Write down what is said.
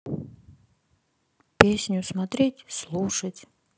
песню смотреть слушать